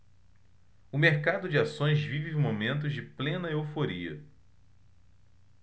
o mercado de ações vive momentos de plena euforia